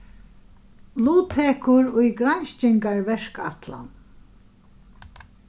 luttekur í granskingarverkætlan